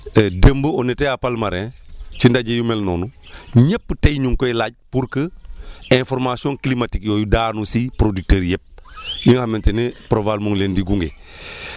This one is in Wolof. démb on était à Palmarin ci ndaje yu mel noonu ñëpp tey ñu ngi koy laaj pour que information climatique yooyu daanu si producteurs yëpp yi nga xamante ne Proval mu ngi leen di gunge